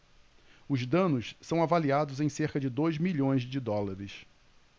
os danos são avaliados em cerca de dois milhões de dólares